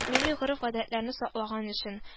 Милли гореф-гадәтләрне саклаган өчен